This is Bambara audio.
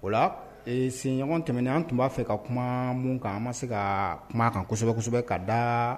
O la siniɲɔgɔn tɛmɛnen an tun b'a fɛ ka kuma min kan an ma se ka kuma kan kosɛbɛ kosɛbɛ ka da